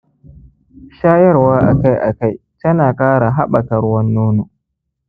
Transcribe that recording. shayarwa akai-akai ta na ƙara haɓaka ruwan-nono